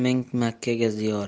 ming makka ziyorati